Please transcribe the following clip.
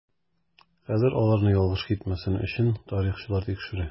Хәзер аларны ялгыш китмәсен өчен тарихчылар тикшерә.